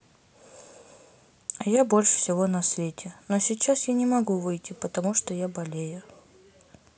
а я больше всего на свете но сейчас я не могу выйти потому что я болею